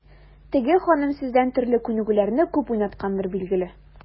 Теге ханым сездән төрле күнегүләрне күп уйнаткандыр, билгеле.